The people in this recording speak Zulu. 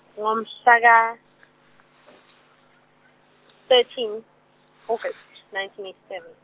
ngomhla , ka- thirteen August nineteen eighty seven.